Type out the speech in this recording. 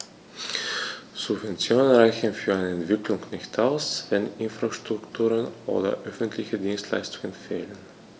Subventionen reichen für eine Entwicklung nicht aus, wenn Infrastrukturen oder öffentliche Dienstleistungen fehlen.